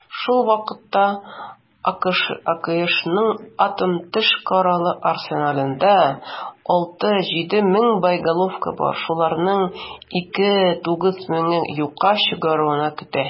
Шул ук вакытта АКШның атом төш коралы арсеналында 6,8 мең боеголовка бар, шуларны 2,8 меңе юкка чыгаруны көтә.